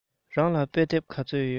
རང ལ དཔེ དེབ ག ཚོད ཡོད